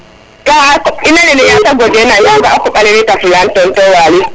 ga a koɓ ina lene yate gode na yaga koɓale weta fulan Tonton Waly